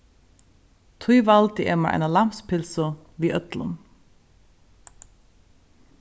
tí valdi eg mær eina lambspylsu við øllum